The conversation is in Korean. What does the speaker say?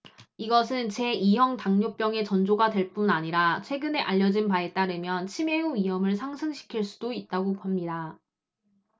이것은 제 이 형 당뇨병의 전조가 될 뿐 아니라 최근에 알려진 바에 따르면 치매의 위험을 상승시킬 수도 있다고 합니다